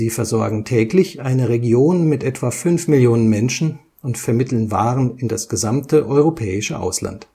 versorgen täglich eine Region mit etwa fünf Millionen Menschen und vermitteln Waren in das gesamte europäische Ausland